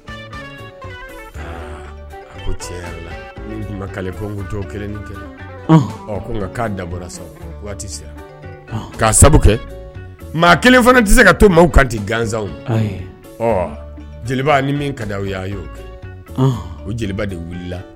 A ko cɛ kelen nka k' da k' sabu kɛ maa kelen fana tɛ se ka to maaw kan di ganz jeliba ni min ka di ye o jeliba de wili